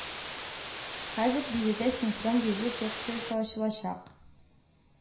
Хәзер биредә синхрон йөзү секциясе ачылачак